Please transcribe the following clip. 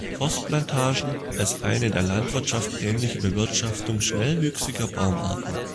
Forstplantagen als eine der Landwirtschaft ähnliche Bewirtschaftung schnellwüchsiger Baumarten